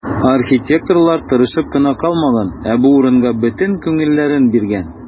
Архитекторлар тырышып кына калмаган, ә бу урынга бөтен күңелләрен биргән.